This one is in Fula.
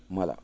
mala